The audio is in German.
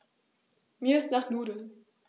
Mir ist nach Nudeln.